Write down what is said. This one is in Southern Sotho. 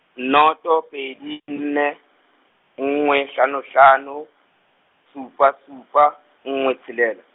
noto pedi nne, nngwe hlano hlano, supa supa, nngwe tshelela.